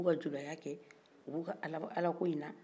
u b'u ka julaya kɛ u b'u ka ala ko in na